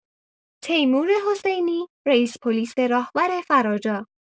تیمور حسینی، رئیس پلیس راهور فراجا